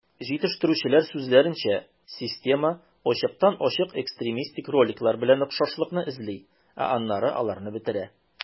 Җитештерүчеләр сүзләренчә, система ачыктан-ачык экстремистик роликлар белән охшашлыкны эзли, ә аннары аларны бетерә.